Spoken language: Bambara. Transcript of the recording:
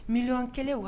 Mi kelen wa